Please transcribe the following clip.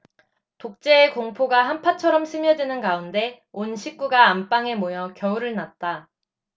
독재의 공포가 한파처럼 스며드는 가운데 온 식구가 안방에 모여 겨울을 났다